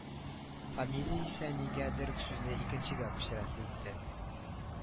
Фамилия исә нигәдер сүзне икенчегә күчерәсе итте